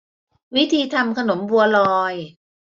วิธีทำขนมบัวลอย